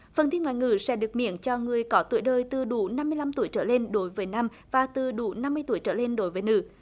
phần thi ngoại ngữ sẽ được miễn cho người có tuổi đời từ đủ năm mươi lăm tuổi trở lên đối với nam và từ đủ năm mươi tuổi trở lên đối với nữ